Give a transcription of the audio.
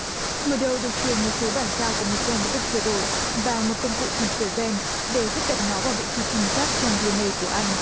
mơ đô được truyền một số bản sao của một den đã được sửa đổi và một công cụ chỉnh sửa den để giúp đặt nó vào vị trí chính xác trong đi en ây của anh